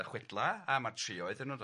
y chwedla a ma'r trioedd,